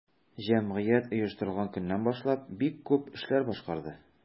Җәмгыять оештырылган көннән башлап бик күп эшләр башкарды.